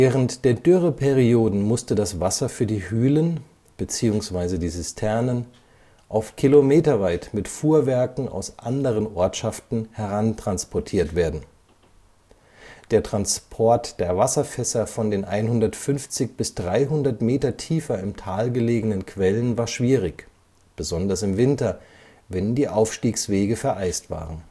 Während der Dürreperioden musste das Wasser für die Hülen beziehungsweise die Zisternen oft kilometerweit mit Fuhrwerken aus anderen Ortschaften herantransportiert werden. Der Transport der Wasserfässer von den 150 bis 300 Meter tiefer im Tal gelegenen Quellen war schwierig, besonders im Winter, wenn die Aufstiegswege vereist waren